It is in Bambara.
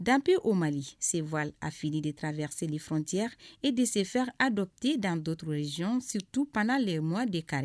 Danp o mali senfawa afi de taraweleyase ftiya e desefɛ a dɔtee dantourrezyonsitu pan lajɛ mɔ de kari